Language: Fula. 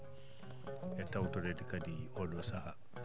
e tawtoreede kadi oo ɗoo sahaa